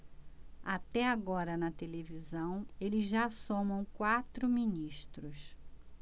até agora na televisão eles já somam quatro ministros